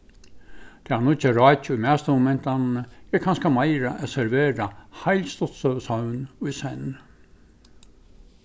tað nýggja rákið í matstovumentanini er kanska meira at servera heil stuttsøgusøvn í senn